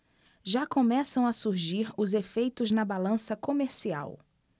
já começam a surgir os efeitos na balança comercial